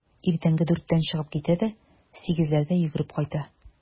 Иртәнге дүрттән чыгып китә дә сигезләрдә йөгереп кайта.